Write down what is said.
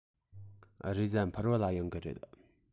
རེས གཟའ ཕུར བུ ལ ཡོང གི རེད